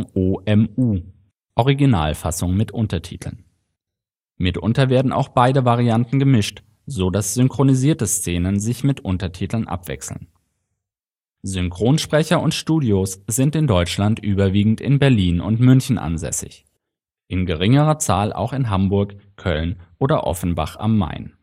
OmU – Originalfassung mit Untertiteln). Mitunter werden auch beide Varianten gemischt, so dass synchronisierte Szenen sich mit Untertiteln abwechseln. Synchronsprecher und - studios sind in Deutschland überwiegend in Berlin und München ansässig, in geringerer Zahl auch in Hamburg, Köln oder Offenbach am Main